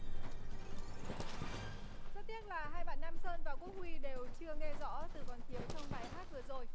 rất tiếc là hai bạn nam sơn và quốc huy đều chưa nghe rõ từ còn thiếu trong bài hát vừa rồi